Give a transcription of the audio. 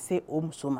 N se o muso ma